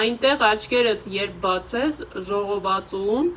«Այնտեղ աչքերդ երբ բացես» ժողովածուում